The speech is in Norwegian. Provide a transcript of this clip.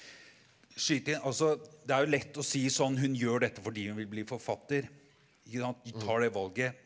skyte inn altså det er jo lett å si sånn hun gjør dette fordi hun vil bli forfatter ikke sant tar det valget.